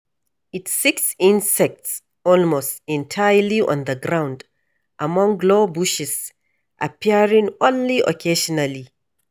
It seeks insects almost entirely on the ground among low bushes, appearing only occasionally.